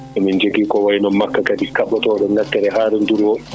emin jogui kadi ko wayno makka kaɓotoɗo ngakkere haaraduru o